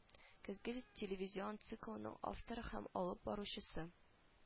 Көзге телевизион циклының авторы һәм алып баручысы